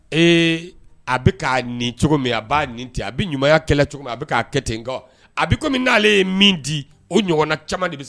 A nin cogo a b'a nin a bɛ ɲumanya kɛlɛ cogo a bɛ' kɛ ten kɔ a bɛ n'ale ye di o ɲɔgɔnna caman de